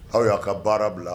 Aw y'aw ka baara bila